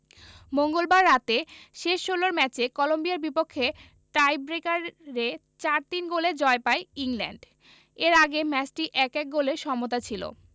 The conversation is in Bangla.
মঙ্গলবার রাতে শেষ ষোলোর ম্যাচে কলম্বিয়ার বিপক্ষে টাইব্রেকারে ৪ ৩ গোলে জয় পায় ইংল্যান্ড এর আগে ম্যাচটি ১ ১ গোলে সমতা ছিল